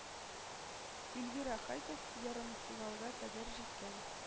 Эльвир Әхәтов ярымфиналга кадәр җиткән